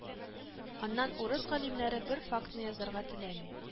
Аннан урыс галимнәре бер фактны язарга теләми